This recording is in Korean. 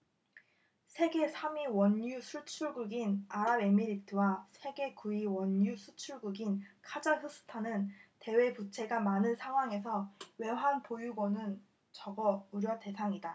세계 삼 위 원유수출국인 아랍에미리트와 세계 구 위 원유수출국인 카자흐스탄은 대외부채가 많은 상황에서 외환보유고는 적어 우려대상이다